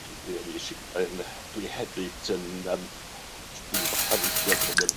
D-. Ne fuesh i yn dwi hefyd yn yym, dwi hefyd, ti bod 'di bod yn...